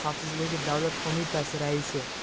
xavfsizligi davlat qo'mitasi raisi